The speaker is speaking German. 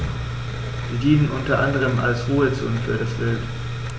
Sie dienen unter anderem als Ruhezonen für das Wild.